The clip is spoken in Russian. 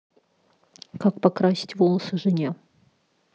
как покрасить волосы жене